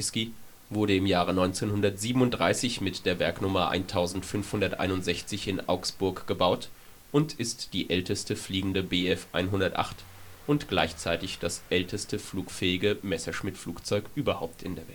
Die D-EBFW wurde im Jahre 1937 mit der Werknummer 1561 in Augsburg gebaut und ist die älteste fliegende Bf 108 und gleichzeitig das älteste flugfähige Messerschmitt-Flugzeug überhaupt in